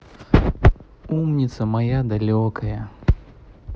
умница моя далекая